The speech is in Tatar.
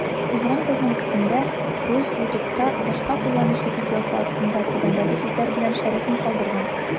Узган елның көзендә Круз YouTube'та башка кулланучы видеосы астында түбәндәге сүзләр белән шәрехен калдырган: